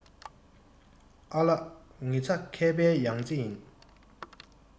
ཨ ལགས ངྷི ཚ མཁས པའི ཡང རྩེ ཡིན